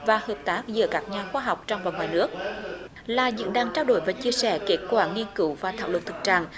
và hợp tác giữa các nhà khoa học trong và ngoài nước là diễn đàn trao đổi và chia sẻ kết quả nghiên cứu và thảo luận thực trạng